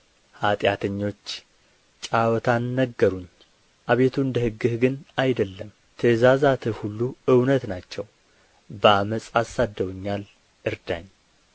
ኃጢአተኞች ጨዋታን ነገሩኝ አቤቱ እንደ ሕግህ ግን አይደለም ትእዛዛትህ ሁሉ እውነት ናቸው በዓመፅ አሳድደውኛል እርዳኝ